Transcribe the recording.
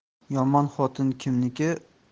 yomon xotin kimniki